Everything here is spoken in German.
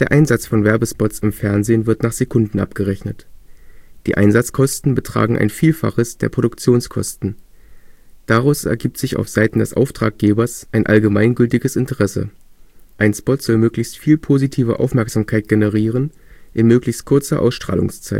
Einsatz von Werbespots im Fernsehen wird nach Sekunden abgerechnet. Die Einsatzkosten betragen ein Vielfaches der Produktionskosten. Daraus ergibt sich auf Seiten des Auftraggebers ein allgemeingültiges Interesse: Ein Spot soll möglichst viel positive Aufmerksamkeit generieren in möglichst kurzer (Ausstrahlungs